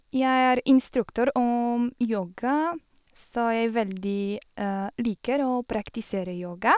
Jeg er instruktør om yoga, så jeg veldig liker å praktisere yoga.